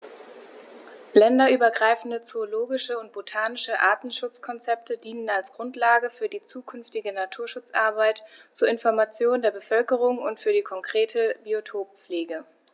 Länderübergreifende zoologische und botanische Artenschutzkonzepte dienen als Grundlage für die zukünftige Naturschutzarbeit, zur Information der Bevölkerung und für die konkrete Biotoppflege.